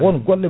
won golle ɗe